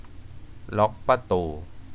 ล็อคประตู